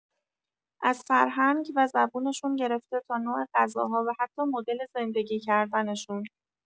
از فرهنگ و زبونشون گرفته تا نوع غذاها و حتی مدل زندگی کردنشون.